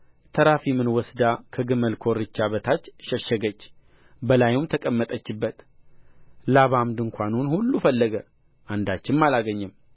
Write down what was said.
ተራፊምን ወስዳ ከግመል ኮርቻ በታች ሸሸገች በላዩም ተቀመጠችበት ላባም ድንኳኑን ሁሉ ፈለገ አንዳችም አላገኘም